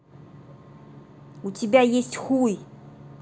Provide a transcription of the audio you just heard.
у тебя есть хуй